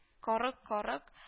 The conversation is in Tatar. Карык - карык